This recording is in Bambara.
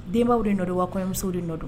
Denbaww de nɔ don wa kɔmuso de nɔ don